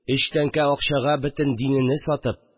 Өч тәңкә акчага бөтен динене сатып